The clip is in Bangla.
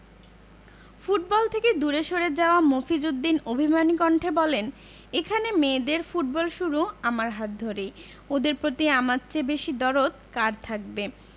ফুটবল থেকে দূরে সরে যাওয়া মফিজ উদ্দিন অভিমানী কণ্ঠে বললেন এখানে মেয়েদের ফুটবল শুরু আমার হাত ধরেই ওদের প্রতি আমার চেয়ে বেশি দরদ কার থাকবে